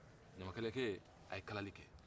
ɲamakalakɛ a ye kalali kɛ